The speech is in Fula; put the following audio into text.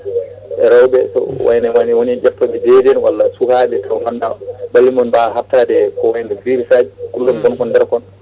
rewɓe wayno tan woni hen ƴeftoɓe deedi walla sukaɓe taw ganduɗa ɓallimumen mbawa habtade ko wayno virus kullon gonkon nder kon